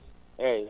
eyyi